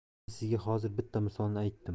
men sizga hozir bitta misolni aytdim